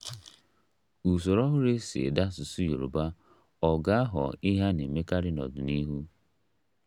Usoro ọhụrụ e si ede asụsụ Yorùbá ọ̀ ga-aghọ ihe a na-emekarị n'ọdịnihu?